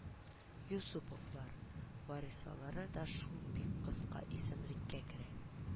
Юсуповлар) варислары да шул бик кыска исемлеккә керә